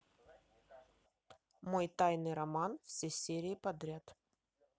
мой тайный роман все серии подряд